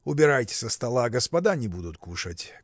– Убирайте со стола: господа не будут кушать.